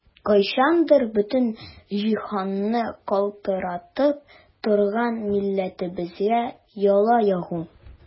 Кайчандыр бөтен җиһанны калтыратып торган милләтебезгә яла ягу!